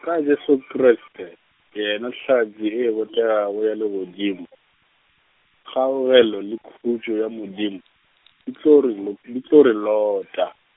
ka Jesu Kriste, yena hlatse e botegago ya legodimo, kgaogelo le khutšo ya Modim-, di tlo re lo-, di tlo re lota.